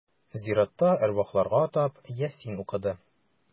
Зиратта әрвахларга атап Ясин укыды.